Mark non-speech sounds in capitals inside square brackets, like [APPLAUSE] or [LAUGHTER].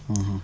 [HESITATION] [HESITATION]